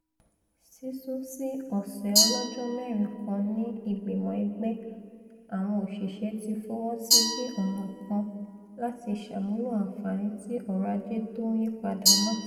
Sísún sí ọ̀sẹ̀ ọlọ́jọ́-mẹ́rin kan ni Ìgbìmọ̀ Ẹgbẹ́ Àwọn Òṣìṣẹ́ ti fọwọsí bí ọ̀nà kan láti ṣàmúlò àǹfààní ti ọrọ̀-ajé tó ńyípadà náà.